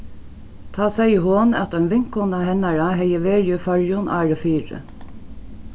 tá segði hon at ein vinkona hennara hevði verið í føroyum árið fyri